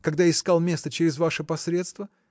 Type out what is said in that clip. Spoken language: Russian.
когда искал места чрез ваше посредство?